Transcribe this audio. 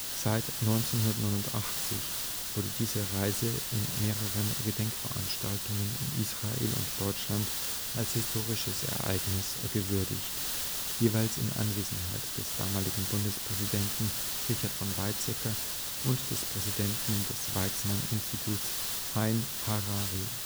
Seit 1989 wurde diese Reise in mehreren Gedenkveranstaltungen in Israel und Deutschland als ' historisches Ereignis ' gewürdigt – jeweils in Anwesenheit des damaligen Bundespräsidenten Richard von Weizsäcker und des Präsidenten des Weizmann-Instituts Haim Harari